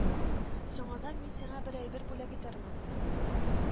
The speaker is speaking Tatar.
Соңыннан мин сиңа бер әйбер бүләк итәрмен